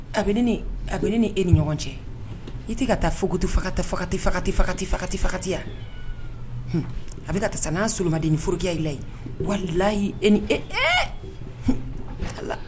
A bɛ ne ni a bɛ ne ni e ni ɲɔgɔn cɛ i tɛ ka taa fogoto fagata fagata fagati wa, hun, a bɛ ka taa n'a solomani forokiya ye i la yen, walahii e ni e